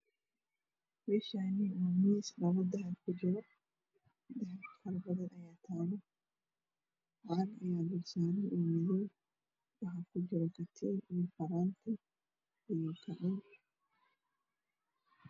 Meeshaani waa miis dhalo dahab ku jiro dahab farabadan ayaa taalo caag ayaa dulsaaran oo madow waxaa ku jira katiin iyo faraanti iyo gacan